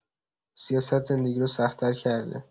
سیاست زندگی رو سخت‌تر کرده.